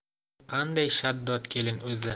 bu qanday shaddod kelin o'zi